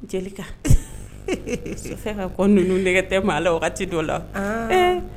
Jeli ka ko ninnu denkɛ tɛ ma la wagati dɔ la